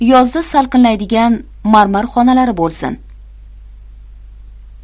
yozda salqinlaydigan marmar xo nalari bo'lsin